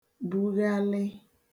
bughàlị